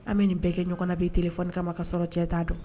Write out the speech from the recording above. An bɛ nin bɛɛ kɛ ɲɔgɔn na bi téléphone kama kasɔrɔ cɛ t'a dɔn